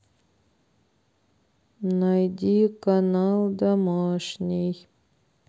найди канал домашний